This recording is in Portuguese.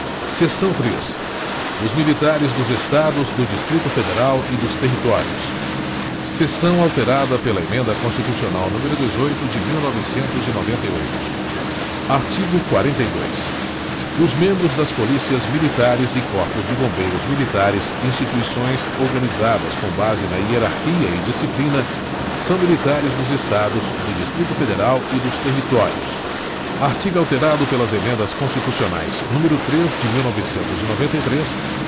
seção três dos militares dos estados do distrito federal e dos territórios seção alterada pela emenda constitucional número dezoito de mil novecentos e noventa e oito artigo quarenta e dois os membros das polícias militares e corpos de bombeiros militares instituições organizadas com base na hierarquia e disciplina são militares dos estados do distrito federal e dos territórios artigo alterado pelas emendas constitucionais número três de mil novecentos e noventa e três